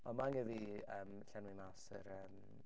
Ond ma' angen i fi yym llenwi mas yr yym...